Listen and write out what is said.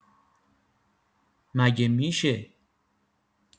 مگه می‌شه